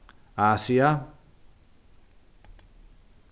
asia